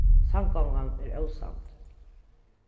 samgongan er ósamd